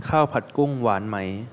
ข้าวผัดกุ้งหวานไหม